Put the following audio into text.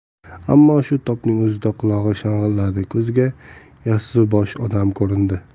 ammo shu topning o'zida qulog'i shang'illadi ko'ziga yassibosh odam ko'rindi